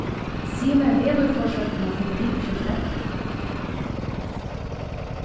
sig mær veðurforsøgnina fyri vikuskiftið